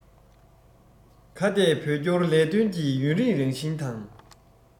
ཁ གཏད བོད སྐྱོར ལས དོན གྱི ཡུན རིང རང བཞིན དང